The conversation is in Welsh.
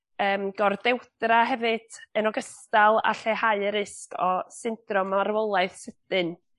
Yym gordewdra hefyd yn ogystal â lleihau y risg o syndrom marwolaeth sydyn